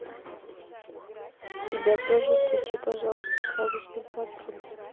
тебя тоже включи пожалуйста сказочный патруль